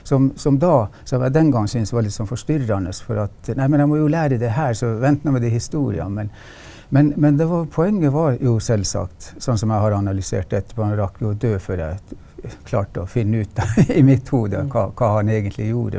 som som da som jeg den gang synes var litt sånn forstyrrende for at nei men jeg må jo lære det her så vent nå med de historiene men men men det var poenget var jo selvsagt sånn som jeg har analysert det etterpå han rakk jo å dø før jeg klarte å finne ut i mitt hode hva hva han egentlig gjorde.